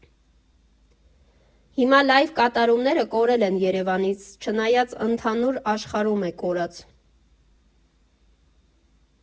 Հիմա լայվ կատարումները կորել են Երևանից, չնայած ընդհանուր աշխարհում է կորած։